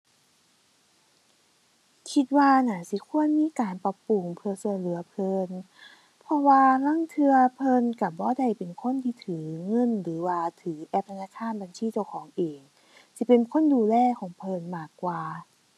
คิดว่าน่าสิควรมีการปรับปรุงเพื่อช่วยเหลือเพิ่น เพราะว่าลางเทื่อเพิ่นช่วยบ่ได้เป็นคนที่ถือเงินหรือว่าถือแอปธนาคารบัญชีเจ้าของเอง สิเป็นคนดูแลของเพิ่นมากกว่า